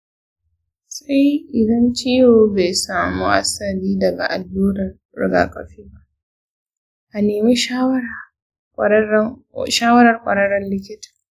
sai idan ciwon bai samo asali daga allurar rigakafi ba. a nemi shawarar ƙwararren likita.